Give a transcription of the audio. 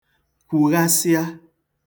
kwughasịa